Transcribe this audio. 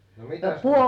no mitäs sitten